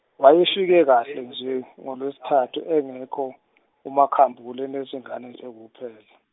wayefike kahle nje ngoLwesithathu engekho uMaKhambule, enezingane nje kuphela.